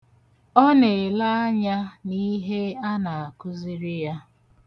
Ọ na-ele anya n'ihe a na-akụziri ya.